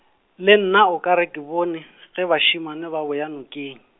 le nna o ka re ke bone, ge bašemane ba boya nokeng.